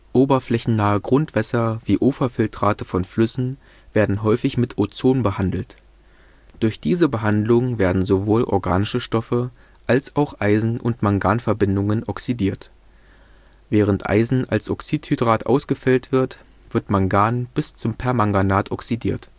Oberflächennahe Grundwässer, wie Uferfiltrate von Flüssen, werden häufig mit Ozon behandelt. Durch diese Behandlung werden sowohl organische Stoffe als auch Eisen - und Manganverbindungen oxidiert. Während Eisen als Oxidhydrat ausgefällt wird, wird Mangan bis zum Permanganat oxidiert